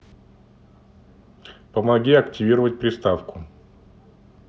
помоги активировать приставку